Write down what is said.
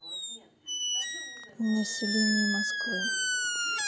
население москвы